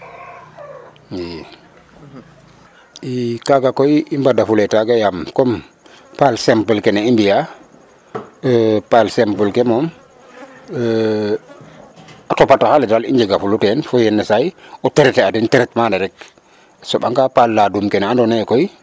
ii kaaga koy i mbadafulee taaga yaam comme paal simple kene i mbi'aa paal simple ke moom a topatoox ale daal i njegafulu teen to yenisaay o traiter a den traitement le rek o soɓanga paal ladum ke kene andoona yee koy.